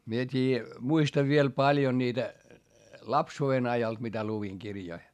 minä tiedä muistan vielä paljon niitä lapsuuden ajalta mitä luin kirjoja